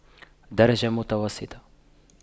درجة متوسطة